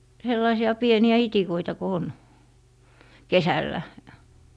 sellaisia pieniä itikoita kun on kesällä